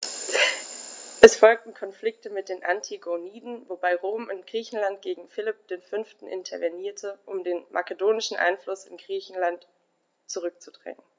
Es folgten Konflikte mit den Antigoniden, wobei Rom in Griechenland gegen Philipp V. intervenierte, um den makedonischen Einfluss in Griechenland zurückzudrängen.